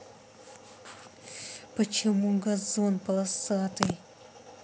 почему газон полосатый